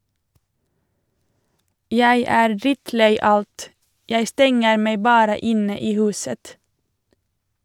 Jeg er drittlei alt, jeg stenger meg bare inne i huset.